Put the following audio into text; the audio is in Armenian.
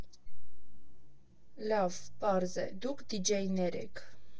Լավ, պարզ է, դուք դիջեյներ եք։